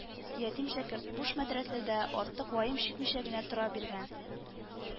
Ятим шәкерт буш мәдрәсәдә артык ваем чикмичә генә тора биргән